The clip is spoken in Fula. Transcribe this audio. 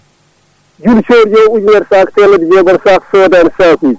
* ene jeeya ujunere sac ;fra temedde jeegom sac sodani sakuji